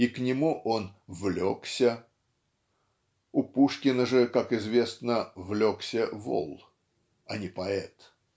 И к нему он "влекся" (у Пушкина же как известно "влекся вол" а не поэт)